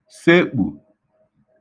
sekpù